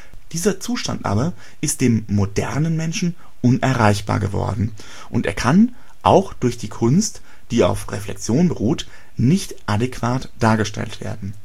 Dieser Zustand aber ist dem modernen Menschen unerreichbar geworden und kann auch durch die Kunst, die auf Reflexion beruht, nicht adäquat dargestellt werden